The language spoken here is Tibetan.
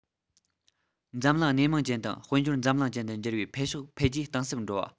འཛམ གླིང སྣེ མང ཅན དང དཔལ འབྱོར འཛམ གླིང ཅན དུ འགྱུར བའི འཕེལ ཕྱོགས འཕེལ རྒྱས གཏིང ཟབ འགྲོ བ